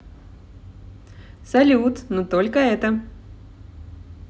салют но только это